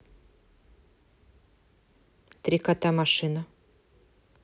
три кота машина